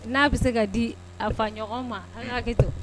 N'a bɛ se k ka di a fa ɲɔgɔn ma' to